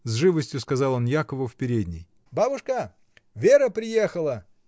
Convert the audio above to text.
— с живостью сказал он Якову в передней. — Бабушка, Вера приехала!